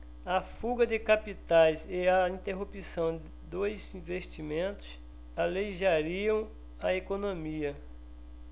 a fuga de capitais e a interrupção dos investimentos aleijariam a economia